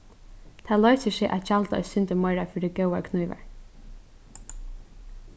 tað loysir seg at gjalda eitt sindur meira fyri góðar knívar